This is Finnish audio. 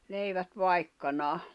leivät vaikkanaan